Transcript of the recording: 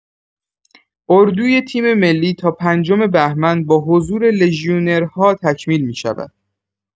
اردوی تیم‌ملی تا پنجم بهمن با حضور لژیونرها تکمیل می‌شود.